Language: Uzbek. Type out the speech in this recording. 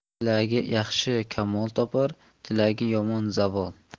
tilagi yaxshi kamol topar tilagi yomon zavol